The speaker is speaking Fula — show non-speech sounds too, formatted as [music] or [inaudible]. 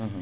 [hesitation] [hesitation]